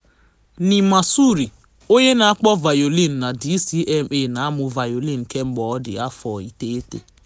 Neema Surri, onye na-akpọ vayolin na DCMA, na-amụ vayolin kemgbe ọ dị afọ 9.